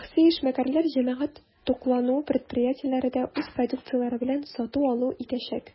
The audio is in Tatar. Шәхси эшмәкәрләр, җәмәгать туклануы предприятиеләре дә үз продукцияләре белән сату-алу итәчәк.